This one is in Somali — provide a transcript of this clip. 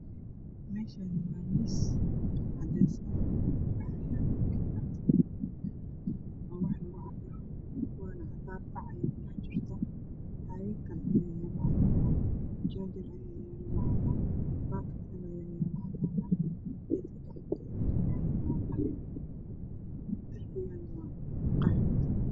Meeshani waa miis cadays ah oo wax lagu Cabo waana cadaaan qaxwi kudhex jirto